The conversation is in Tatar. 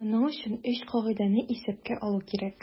Моның өчен өч кагыйдәне исәпкә алу кирәк.